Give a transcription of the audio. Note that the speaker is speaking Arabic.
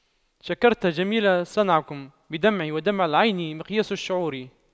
شكرت جميل صنعكم بدمعي ودمع العين مقياس الشعور